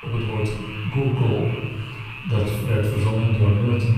het woord " googol ", dat werd verzonnen door Milton